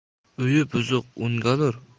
uyi buzuq o'ngalur